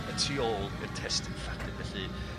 ...y tu ôl i'r testun Lladin, felly